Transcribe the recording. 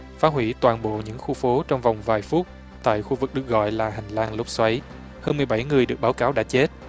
phá hủy toàn bộ những khu phố trong vòng vài phút tại khu vực được gọi là hành lang lốc xoáy hơn mười bảy người được báo cáo đã chết